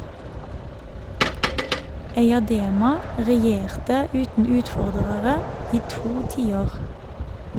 Eyadema regjerte uten utfordrere i to tiår.